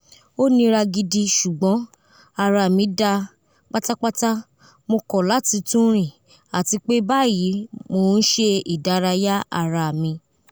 O nira gidi ṣugbọn ara mi da patapata, mo kọ lati tun rin ati pe bayii mo n ṣe idaraya ara mi!